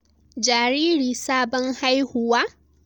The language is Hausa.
Jariri sabon haihuwa?